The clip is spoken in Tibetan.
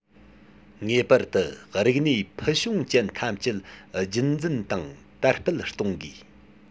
ངེས པར དུ རིག གནས ཕུལ བྱུང ཅན ཐམས ཅད རྒྱུན འཛིན དང དར སྤེལ གཏོང དགོས